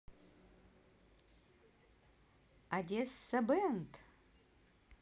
одесса бэнд